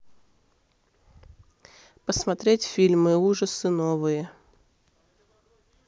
посмотреть фильмы ужасы новые